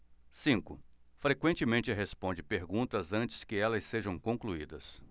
cinco frequentemente responde perguntas antes que elas sejam concluídas